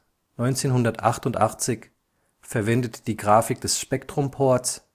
1988, Publisher: U.S. Gold. Verwendet die Grafik des Spectrum-Ports